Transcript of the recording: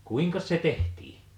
kuinkas se tehtiin